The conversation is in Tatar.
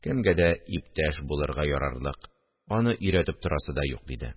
Кемгә дә иптәш булырга ярарлык, аны өйрәтеп торасы да юк! – диде